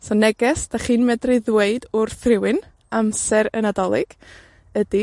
So neges 'dach chi'n medru ddweud wrth rhywun amser y Nadolig ydi